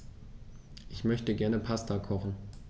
Ich möchte gerne Pasta kochen.